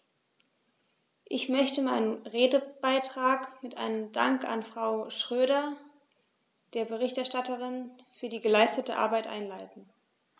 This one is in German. Ich möchte meinen Redebeitrag mit einem Dank an Frau Schroedter, der Berichterstatterin, für die geleistete Arbeit einleiten.